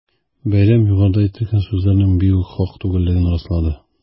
Бәйрәм югарыда әйтелгән сүзләрнең бигүк хак түгеллеген раслады.